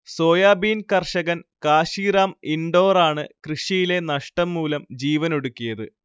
soybean കർഷകൻ കാശീറാം ഇൻഡോറാണ് കൃഷിയിലെ നഷ്ടം മൂലം ജീവനൊടുക്കിയത്